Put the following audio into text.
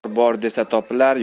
bor bor desa topilar